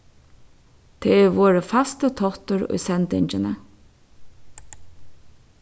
tað er vorðið fastur táttur í sendingini